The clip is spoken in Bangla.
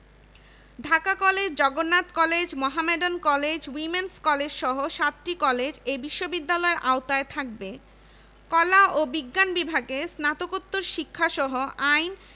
Dhaka college Jagannath college Mohammedan college women's কলেজসহ সাতটি কলেজ এ বিশ্ববিদ্যালয়ের আওতায় থাকবে কলা ও বিজ্ঞান বিভাগে স্নাতকোত্তর শিক্ষাসহ আইন